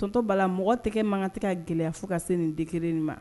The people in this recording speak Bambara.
Tɔntɔba mɔgɔ tɛgɛ mankantigɛ ka gɛlɛya fo ka se nin dik kelen nin ma